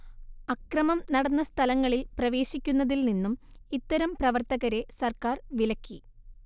അക്രമം നടന്ന സ്ഥലങ്ങളിൽ പ്രവേശിക്കുന്നതിൽ നിന്നും ഇത്തരം പ്രവർത്തകരെ സർക്കാർ വിലക്കി